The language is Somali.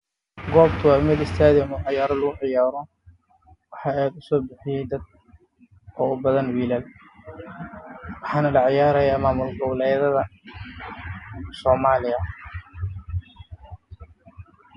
Waa garoon waxaa isku imaaday niman